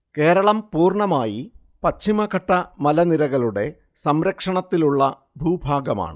കേരളം പൂർണമായി പശ്ചിമഘട്ട മലനിരകളുടെ സംരക്ഷണത്തിലുള്ള ഭൂഭാഗമാണ്